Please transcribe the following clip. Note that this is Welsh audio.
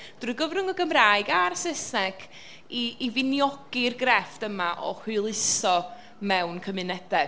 drwy gyfrwng y Gymraeg a'r Saesneg, i i finiogi'r grefft yma o hwyluso mewn cymunedau.